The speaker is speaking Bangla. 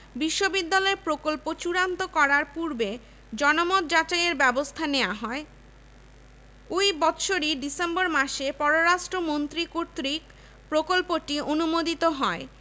বিশ্ববিদ্যালয়ের প্রকল্প চূড়ান্ত করার পূর্বে জনমত যাচাইয়ের ব্যবস্থা নেওয়া হয় ঐ বৎসরই ডিসেম্বর মাসে পররাষ্ট্র মন্ত্রী কর্তৃক প্রকল্পটি অনুমোদিত হয়